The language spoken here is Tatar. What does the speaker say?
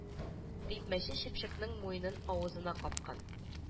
Дип мәче чыпчыкның муенын авызына капкан